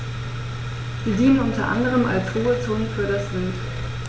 Sie dienen unter anderem als Ruhezonen für das Wild.